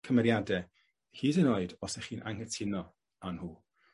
cymeriade, hyd yn oed os 'ych chi'n anghytuno â nhw.